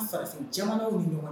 Jamana ɲɔgɔn